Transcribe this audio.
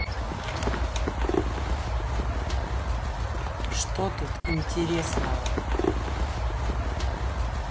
что тут интересного